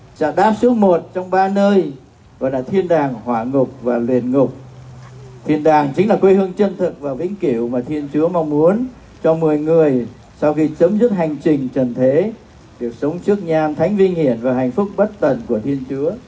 trạm đáp số một trong ba nơi gọi là thiên đàng hỏa ngục và luyện ngục thì đàng chính là quê hương chân thực và vĩnh cửu mà thiên chúa mong muốn cho mọi người sau khi chấm dứt hành trình trần thế việc sống trước nhan thánh vinh hiển và hạnh phúc bất tận của thiên chúa